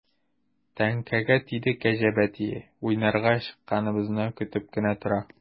Теңкәгә тиде кәҗә бәтие, уйнарга чыкканыбызны көтеп кенә тора.